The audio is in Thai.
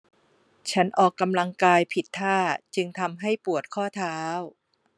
ฉันออกกำลังกายผิดท่าจึงทำให้ปวดข้อเท้า